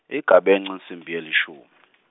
Igabence insimbi yelishum-.